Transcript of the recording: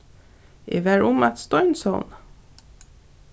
eg var um at steinsovna